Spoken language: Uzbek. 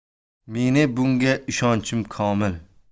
meni bunga ishonchim komil